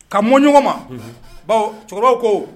Ka mɔn ɲɔgɔn ma cɛkɔrɔba ko